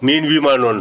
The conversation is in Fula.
miin wiyima noon